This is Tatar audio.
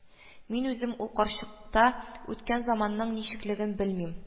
Мин үзем ул карчыкта үткән заманның ничеклеген белмим